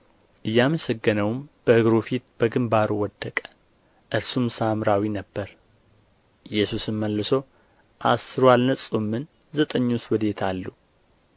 እያመሰገነውም በእግሩ ፊት በግንባሩ ወደቀ እርሱም ሳምራዊ ነበረ ኢየሱስም መልሶ አሥሩ አልነጹምን ዘጠኙስ ወዴት አሉ